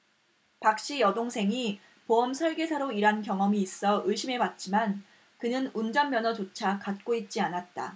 박씨 여동생이 보험설계사로 일한 경험이 있어 의심해 봤지만 그는 운전면허조차 갖고 있지 않았다